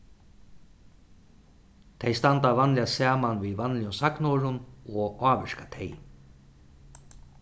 tey standa vanliga saman við vanligum sagnorðum og ávirka tey